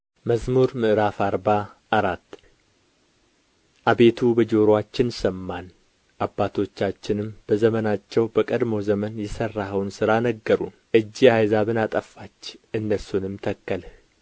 መዝሙር ምዕራፍ አርባ አራት አቤቱ በጆሮአችን ሰማን አባቶቻችንም በዘመናቸው በቀድሞ ዘመን የሠራኸውን ሥራ ነገሩን እጅህ አሕዛብን አጠፋች እነርሱንም ተከልህ